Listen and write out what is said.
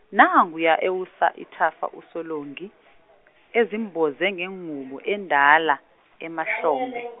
nanguya ewusa ithafa uSolongi, ezimboze ngengubo endala, emahlombe.